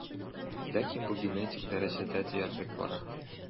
Ләкин бу генетик дәрәҗәдә диярлек бара.